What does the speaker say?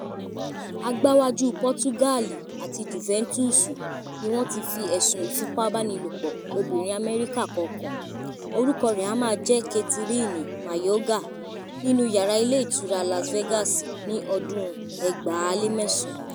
Agbáwájú Portugal àti Juventus ni wọ́n ti fi ẹ̀sùn ìfipabánilòpọ̀ obìnrin Amẹ́ríkà kan kàn, orúkọ rẹ́ a máa jẹ́ Kathryn Mayorga, nínú yàra ilé ìtura Las Vegas ní 2009.